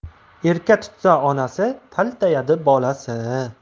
erka tutsa onasi taltayadi bolasi